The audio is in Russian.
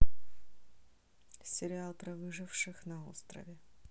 сериал про выживших на острове